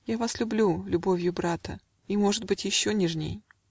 Я вас люблю любовью брата И, может быть, еще нежней.